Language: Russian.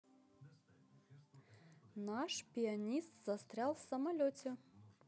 наш пианист застрял в самолете